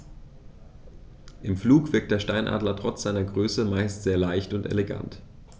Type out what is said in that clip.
Im Flug wirkt der Steinadler trotz seiner Größe meist sehr leicht und elegant.